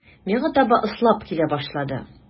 Миңа таба ыслап килә башлады.